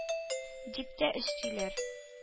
– дип тә өстиләр.